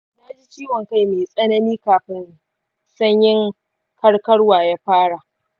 na ji ciwon kai mai tsanani kafin sanyin karkarwa ya fara.